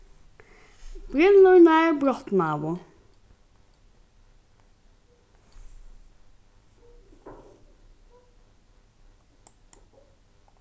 brillurnar brotnaðu